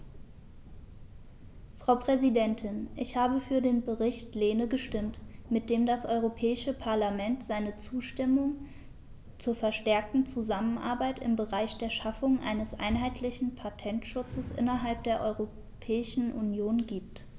Frau Präsidentin, ich habe für den Bericht Lehne gestimmt, mit dem das Europäische Parlament seine Zustimmung zur verstärkten Zusammenarbeit im Bereich der Schaffung eines einheitlichen Patentschutzes innerhalb der Europäischen Union gibt.